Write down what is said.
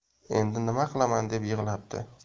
endi nima qilaman deb yig'labdi